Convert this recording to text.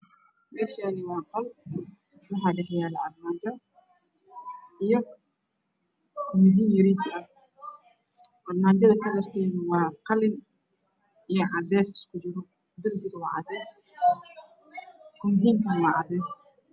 Meeshaani waa qol waxaa dhex yaalo armaajo iyo midi yariis ah. Armaajada kalarkeedu waa qalin iyo cadeys isku jira darbigu waa cadeys, kobidiinkana waa cadeys.